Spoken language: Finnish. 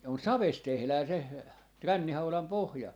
on savesta tehdään se rännihaudan pohja